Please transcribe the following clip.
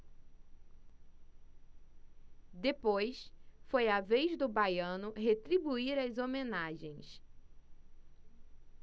depois foi a vez do baiano retribuir as homenagens